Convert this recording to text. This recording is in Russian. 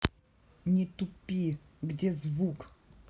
не тупи где звук